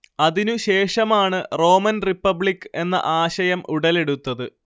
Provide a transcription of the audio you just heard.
അതിനു ശേഷമാണ് Roman republic എന്ന ആശയം ഉടലെടുത്തത്